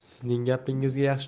sizning gapingizga